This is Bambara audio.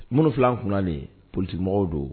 Minnu fil'an kunna nin ye politique mɔgɔw don